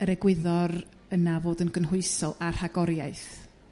yr egwyddor yna o fod yn gynhwysol a rhagoriaeth.